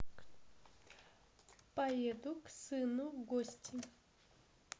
поеду к сыну в гости